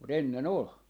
mutta ennen oli